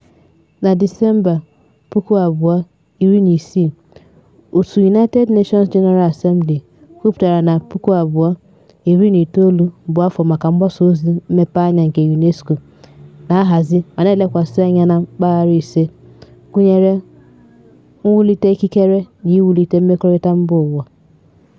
Na Disemba 2016, òtù United Nations General Assembly kwupụtara na 2019 bụ afọ maka mgbasaozi mmepeanya nke UNESCO na-ahazi ma na-elekwasị anya na mpaghara ise, gụnyere mwulite ikikere na iwulite mmekọrịta mbaụwa.